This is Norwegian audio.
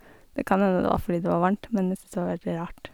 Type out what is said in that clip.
Det kan hende det var fordi det var varmt, men jeg syns det var veldig rart.